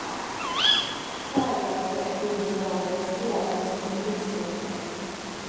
Սա է դարձել քույրերի արվեստի առանցքներից մեկը։